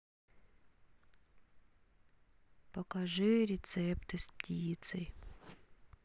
покажи рецепты с птицей